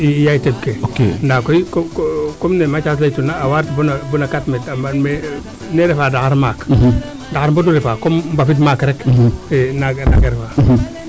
i yaay teɓ ke ndaa koy comme ne Mathiasse a leytuuna a waa ret boona quatre metre mais ne refa ndaxar maak ndaxar mbodu refaa comme mbafid maak rek i naaga refaa